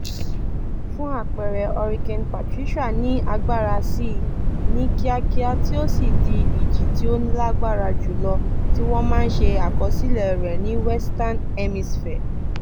Fún àpẹẹrẹ, Hurricane Patricia ní agbára síi ní kíákíá tí ó sì di ìjì tí ó lágbára jùlọ tí wọ́n máa ṣe àkọsílẹ̀ rẹ̀ ní Western Hemisphere.